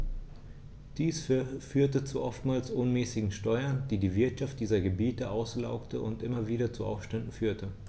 Dies führte zu oftmals unmäßigen Steuern, die die Wirtschaft dieser Gebiete auslaugte und immer wieder zu Aufständen führte.